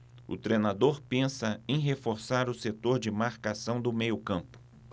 o treinador pensa em reforçar o setor de marcação do meio campo